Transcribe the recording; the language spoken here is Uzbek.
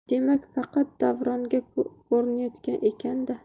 demak faqat davronga ko'rinayotgan ekan da